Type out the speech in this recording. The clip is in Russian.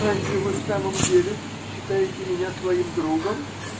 -- Разве вы в самом деле считаете меня своим другом?